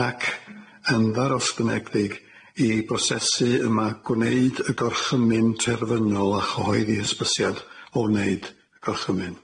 ac yn ddaroesgynegdyg i brosesu yma gwneud y gorchymyn terfynol a chyhoeddi hysbysiad o wneud gorchymyn.